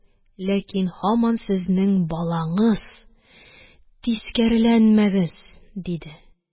Ләкин һаман сезнең балаңыз, тискәреләнмәгез! – диде.